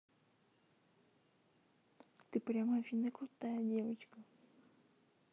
ты прямо афина крутая девочка